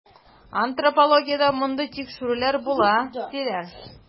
Антропологиядә мондый тикшерүләр була, диләр.